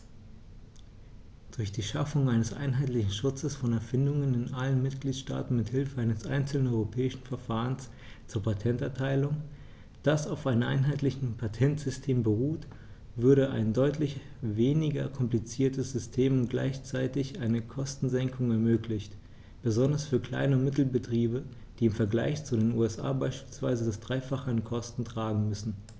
Durch die Schaffung eines einheitlichen Schutzes von Erfindungen in allen Mitgliedstaaten mit Hilfe eines einzelnen europäischen Verfahrens zur Patenterteilung, das auf einem einheitlichen Patentsystem beruht, würde ein deutlich weniger kompliziertes System und gleichzeitig eine Kostensenkung ermöglicht, besonders für Klein- und Mittelbetriebe, die im Vergleich zu den USA beispielsweise das dreifache an Kosten tragen müssen.